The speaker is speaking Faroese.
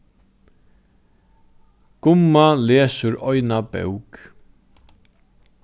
gumma lesur eina bók